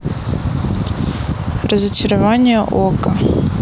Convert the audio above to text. разочарование okko